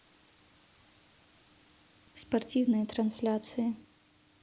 спортивные трансляции